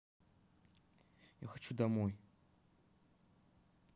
я хочу домой